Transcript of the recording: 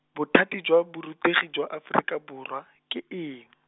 Bothati jwa borutegi jwa Aforika Borwa, ke eng?